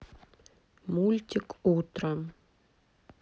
мультик утром